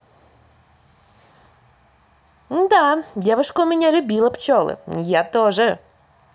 да девушка у меня любила пчелы я тоже